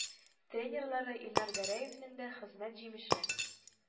Тренерлары илнар гәрәевнең дә хезмәт җимеше.